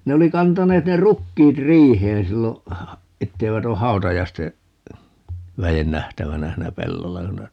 ne oli kantaneet ne rukiit riiheen silloin että eivät ole hautajaisten väen nähtävänä siinä pellolla kun ne